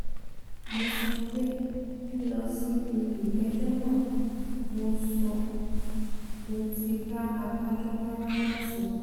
Mo sọ pé lílọ síbi ìgbẹ́jọ́ náà, mo sọ, mo ti bá adájọ́ Kavanaugh sọ̀rọ̀.